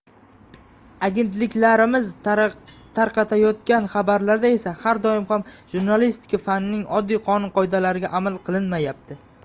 agentliklarimiz tarqatayotgan xabarlarda esa har doim ham jurnalistika fanining oddiy qonun qoidalariga amal qilinmayapti